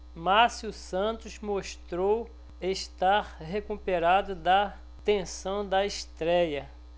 márcio santos mostrou estar recuperado da tensão da estréia